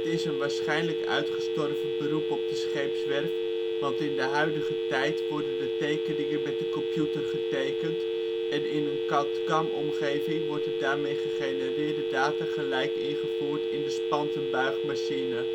is een waarschijnlijk uitgestorven beroep op de scheepswerf, want in de huidige tijd worden de tekeningen met de computer getekend en in een CAD/CAM omgeving wordt de daarmee gegenereerde data gelijk ingevoerd in de spantenbuigmachine